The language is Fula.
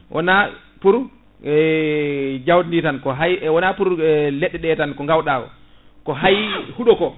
wona pour jawdi ndi tan ko hay wona pour leɗɗe ɗe tan ko gawɗa ko ko hayyi huuɗoko